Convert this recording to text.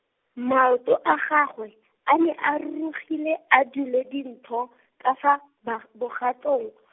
maoto a gagwe, a ne a rurugile a dule dintho, ka fa, bag- bogatong.